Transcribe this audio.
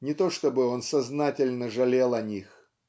Не то чтобы он сознательно жалел о них